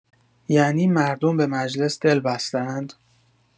یعنی مردم به مجلس دل‌بسته‌اند؟